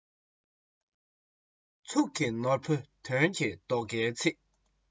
གཙུག གི ནོར བུ དོན གྱི རྡོ ཁའི ཚིག